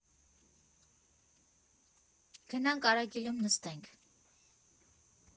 Գնանք «Արագիլում» նստենք։